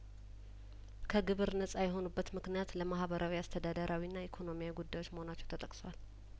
ከግብር ነጻ የሆኑበት ምክንያት ለማህበራዊ አስተዳደራዊና ኢኮኖሚያዊ ጉዳዮች መሆናቸው ተጠቅሷል